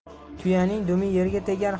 tuyaning dumi yerga tegar